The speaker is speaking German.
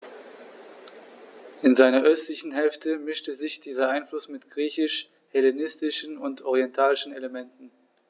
In seiner östlichen Hälfte mischte sich dieser Einfluss mit griechisch-hellenistischen und orientalischen Elementen.